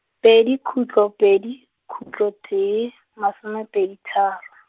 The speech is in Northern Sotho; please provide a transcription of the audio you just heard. pedi khutlo pedi, khutlo tee, masomepedi tharo.